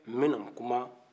n bi na kuma